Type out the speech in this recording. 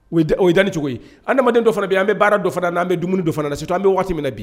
O ye dan ni cogo andamaden dɔ fana bɛ an bɛ baara dɔ fana n' an bɛ dumuni dɔ fana na sisantu an bɛ waati minɛ bi